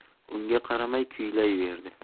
unga qaramay kuylayverdi